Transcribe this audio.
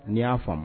N'i y'a fa